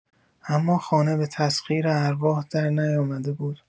اما خانه به تسخیر ارواح درنیامده بود.